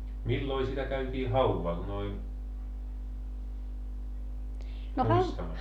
milloin sitä käytiin haudalla noin muistamassa